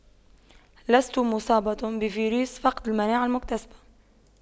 لست مصابة بفيروس فقد المناعة المكتسبة